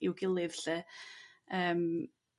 i'w gilydd 'lly. Yrm.